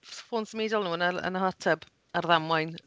Ffôn symudol nhw yn yr yn yr hot tub ar ddamwain.